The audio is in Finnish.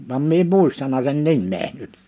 vaan minä en muistanut sen nimeä nyt